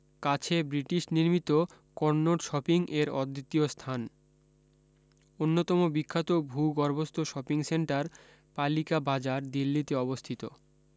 কাছে ব্রিটিস নির্মিত Connaught shopping এর অদ্বিতীয় স্থান অন্যতম বিখ্যাত ভূ গর্ভস্থ সপিং সেন্টার পালিকা বাজার দিল্লীতে অবস্থিত